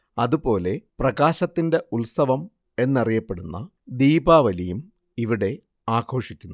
അതു പോലെ പ്രകാശത്തിന്റെ ഉത്സവം എന്നറിയപ്പെടുന്ന ദീപാവലിയും ഇവിടെ ആഘോഷിക്കുന്നു